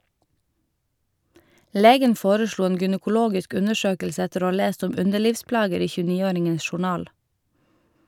Legen foreslo en gynekologisk undersøkelse etter å ha lest om underlivsplager i 29-åringens journal.